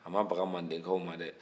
a ma baga mandenkaw ma dɛ